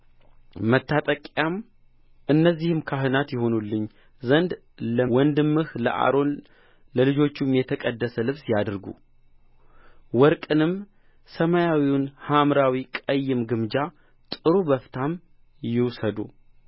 መታጠቂያም እነዚህም ካህናት ይሆኑልኝ ዘንድ ለወንድምህ ለአሮን ለልጆቹም የተቀደሰ ልብስ ያድርጉ ወርቅንም ሰማያዊና ሐምራዊ ቀይም ግምጃ ጥሩ በፍታም ይውሰዱ